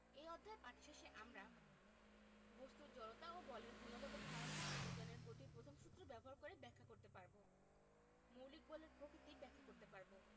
এ অধ্যায় পাঠ শেষে আমরা বস্তুর জড়তা ও বলের গুণগত ধারণা নিউটনের গতির প্রথম সূত্র ব্যবহার করে ব্যাখ্যা করতে পারব মৌলিক বলের প্রকৃতি ব্যাখ্যা করতে পারব